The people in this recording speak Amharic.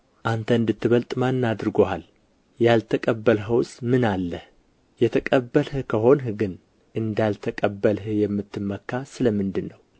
አንተ እንድትበልጥ ማን አድርጎሃል ያልተቀበልኸውስ ምን አለህ የተቀበልህ ከሆንህ ግን እንዳልተቀበልህ የምትመካ ስለ ምንድር ነው